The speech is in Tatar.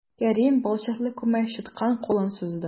Кәрим балчыклы күмәч тоткан кулын сузды.